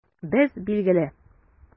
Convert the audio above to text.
Без, билгеле!